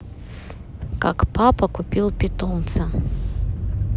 как паша купил питомца